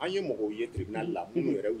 An ye mɔgɔw yeriina la minnu yɛrɛ